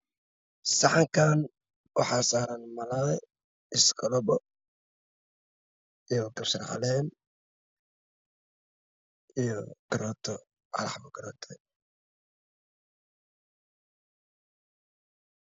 Saxankaan waxa saaran maley iskolobo iyo kabsar caleen iyo hal xabo kaarooto